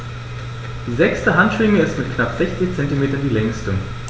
Die sechste Handschwinge ist mit knapp 60 cm die längste.